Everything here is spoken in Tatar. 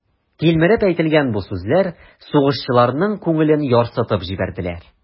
Тилмереп әйтелгән бу сүзләр сугышчыларның күңелен ярсытып җибәрделәр.